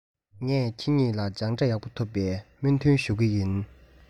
ངས ཁྱེད གཉིས ལ སྦྱངས འབྲས ཡག པོ ཐོབ པའི སྨོན འདུན ཞུ གི ཡིན